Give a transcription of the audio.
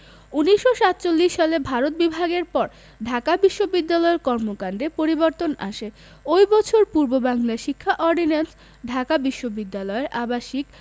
১৯৪৭ সালে ভারত বিভাগের পর ঢাকা বিশ্ববিদ্যালয়ের কর্মকান্ডে পরিবর্তন আসে ওই বছর পূর্ববাংলার শিক্ষা অর্ডিন্যান্স ঢাকা বিশ্ববিদ্যালয়ের আবাসিক